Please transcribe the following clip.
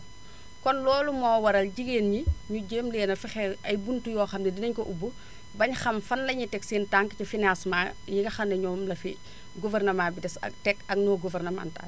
kon loolu moo waral jigéen ñi ñi jéem leen a fexeel ay buntu yoo xam ne dinañu ko ubbi bañ xam fan lañuy teg seen tànk pour financement yi nga xam ne ñoom la fi gouvernement bi tes ak teg ak non gouvernemental bi